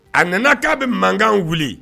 A nana k'a be mankan wuli